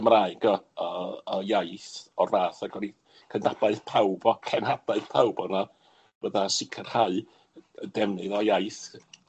Gymraeg o o o iaith o'r fath, ac o'n i cydnabaeth pawb o cenhadaeth pawb o' 'na fydda sicirhau y defnydd o iaith